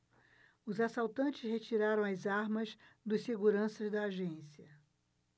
os assaltantes retiraram as armas dos seguranças da agência